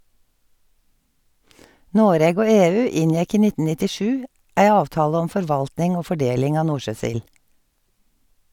Noreg og EU inngjekk i 1997 ei avtale om forvaltning og fordeling av nordsjøsild.